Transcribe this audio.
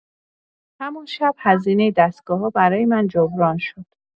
همون شب هزینه دستگاه‌ها برای من جبران شد.